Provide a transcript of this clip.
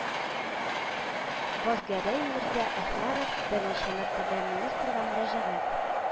Базгәрәй мирза әхмәрев берничә мәртәбә министрга мөрәҗәгать